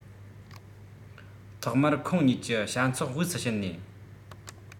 ཐོག མར ཁོང གཉིས ཀྱི བྱ ཚོགས དབུས སུ ཕྱིན ནས